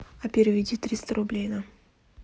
а переведи триста рублей на